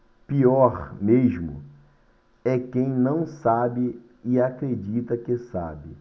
pior mesmo é quem não sabe e acredita que sabe